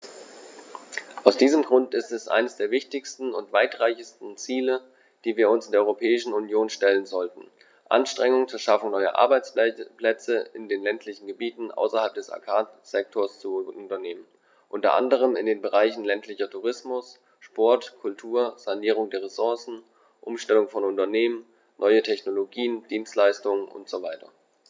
Aus diesem Grund ist es eines der wichtigsten und weitreichendsten Ziele, die wir uns in der Europäischen Union stellen sollten, Anstrengungen zur Schaffung neuer Arbeitsplätze in den ländlichen Gebieten außerhalb des Agrarsektors zu unternehmen, unter anderem in den Bereichen ländlicher Tourismus, Sport, Kultur, Sanierung der Ressourcen, Umstellung von Unternehmen, neue Technologien, Dienstleistungen usw.